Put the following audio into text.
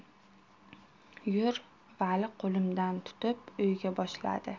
yur vali qo'limdan tutib uyiga boshladi